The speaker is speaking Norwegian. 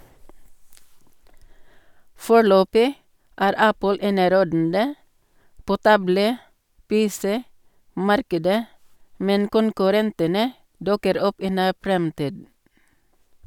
Foreløpig er Apple enerådende på tavle-pc-markedet, men konkurrentene dukker opp i nær fremtid.